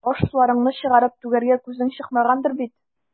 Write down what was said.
Аш-суларыңны чыгарып түгәргә күзең чыкмагандыр бит.